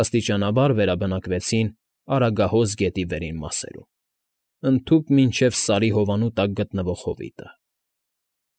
Աստիճանաբար վերաբնակեցվեցին Արագահոս գետի վերին մասերում, ընդհուպ մինչև Սարի հովանու տակ գտնվող Հովիտը։